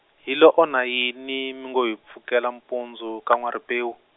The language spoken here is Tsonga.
hi lo onha yini mi ngo hi pfukela mpundzu, ka N'wa-Ripewu?